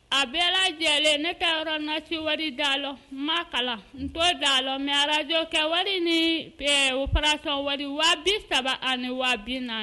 A bɛɛ lajɛlen ne kayɔrɔ nasi wari dala la ma kalan n ko dala la miyarajɔ kɛ wari ni pe pasɔn wari waati saba ani waati na